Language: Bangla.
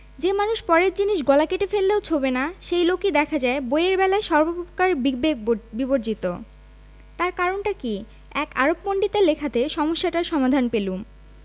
যে মানুষ পরের জিনিস গলা কেটে ফেললেও ছোঁবে না সেই লোকই দেখা যায় বইয়ের বেলায় সর্বপ্রকার বিবেক বিবর্জিত তার কারণটা কি এক আরব পণ্ডিতের লেখাতে সমস্যাটার সমাধান পেলুম